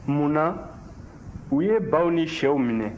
mun na u ye baw ni shɛw minɛ